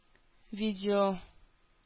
Видео